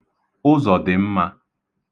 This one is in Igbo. Ụzọ̀dị̀mmā